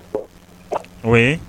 O